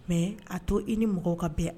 Mais a to i ni mɔgɔw ka bɛn a